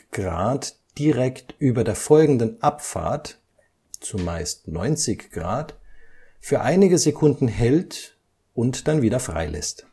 45° direkt über der folgenden Abfahrt – zumeist 90° – für einige Sekunden hält und dann wieder frei lässt